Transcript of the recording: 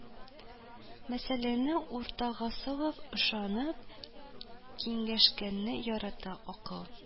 Мәсьәләне уртага салып, ышанып, киңәшкәнне ярата, акыл